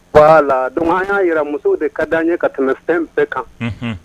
Wala don an y'a jira musow de ka d an ye ka tɛmɛ fɛn bɛɛ kan